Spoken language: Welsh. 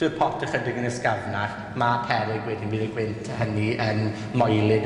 yw'r pot ychydig yn ysgafnach, ma' peryg wedyn, bydd y gwynt hynny yn moelyd y